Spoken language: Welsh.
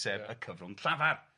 sef y cyfrwng llafar... Ia...